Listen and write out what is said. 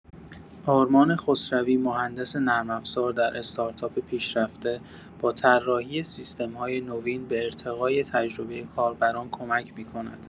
آرمان خسروی، مهندس نرم‌افزار در استارتاپ پیشرفته، با طراحی سیستم‌های نوین به ارتقای تجربه کاربران کمک می‌کند.